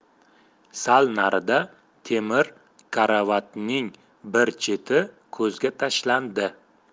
sal narida temir karavotning bir cheti ko'zga tashlanadi